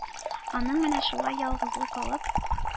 Аның менә шулай, ялгызы калып,